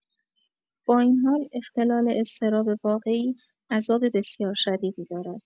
با این حال، اختلال اضطراب واقعی، عذاب بسیار بیشتری دارد.